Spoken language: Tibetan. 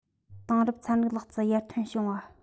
དེང རབས ཚན རིག ལག རྩལ ཡར ཐོན བྱུང བ